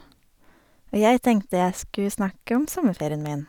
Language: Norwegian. Og jeg tenkte jeg skulle snakke om sommerferien min.